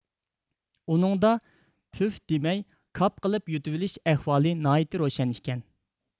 ئۇنىڭدا پۈف دېمەي كاپ قىلىپ يۇتۇۋېلىش ئەھۋالى ناھايىتى روشەن ئىكەن